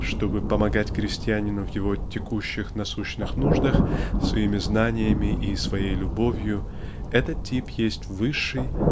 чтобы помогать крестьянину в его текущих насущных нуждах своими знаниями и своей любовью --этот тип есть высший